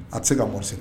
A tɛ se ka morise